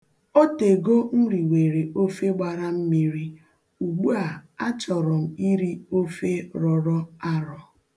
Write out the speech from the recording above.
O tego m riwere ofe gbara mmiri. Ugbua, achọrọ m iri ofe rọrọ arọ.